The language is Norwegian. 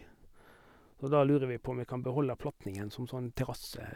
Så det lurer vi på om vi kan beholde platningen som sånn terrasse.